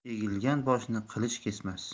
egilgan boshni qilich kesmas